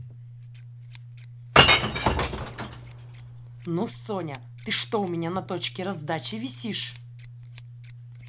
ну соня ты что у меня на точке раздачи висишь